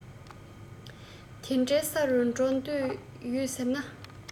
དེ འདྲའི ས རུ འགྲོ འདོད ཡོད ཟེར ན